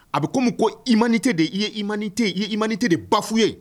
A bɛ comme ko humanité i ye humanité , i ye humanité de bafouer